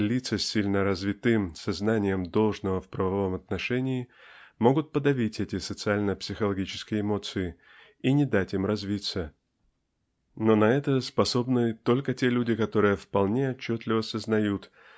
лица с сильно развитым сознанием должного в правовом отношении могут подавить эти социально психологические эмоции и не дать им развиться. Но на это способны только те люди которые вполне отчетливо сознают